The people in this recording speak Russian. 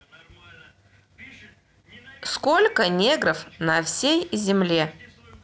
сколько негров на всей земле